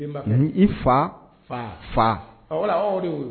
I fa fa